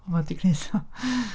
Mae o 'di gwneud o